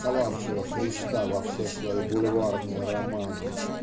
совавшего Христа во все свои бульварные романы".